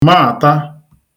maata